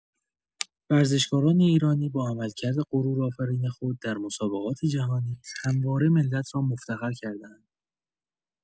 ورزشکاران ایرانی با عملکرد غرورآفرین خود در مسابقات جهانی، همواره ملت را مفتخر کرده‌اند.